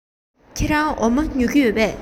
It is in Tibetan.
ཁྱེད རང འོ མ ཉོ གི ཡོད པས